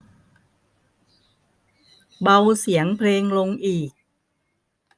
เบาเสียงเพลงลงอีก